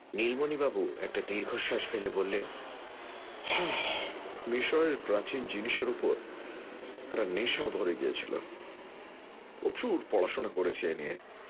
নীলমণিবাবু একটা দীর্ঘশ্বাস ফেলে বললেন মিশরের প্রাচীন জিনিসের উপর একটা নেশা ধরে গিয়েছিল প্রচুর পড়াশুনা করেছি এই নিয়ে